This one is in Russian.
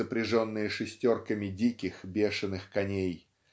запряженные шестерками диких бешеных коней